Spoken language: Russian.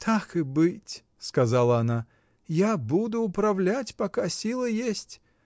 — Так и быть, — сказала она, — я буду управлять, пока силы есть.